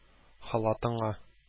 Халатыңа